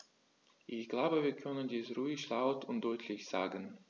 Ich glaube, wir können dies ruhig laut und deutlich sagen.